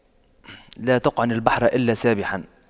لا تقعن البحر إلا سابحا